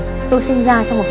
tôi sinh ra trong